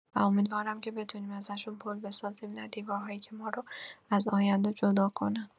و امیدوارم که بتونیم ازشون پل بسازیم، نه دیوارهایی که ما رو از آینده جدا کنن.